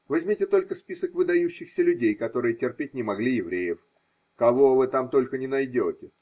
Возьмите только список выдающихся людей, которые терпеть не могли евреев: кого вы там только не найдете!